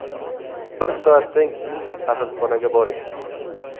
bir soatdan keyin kasalxonaga boring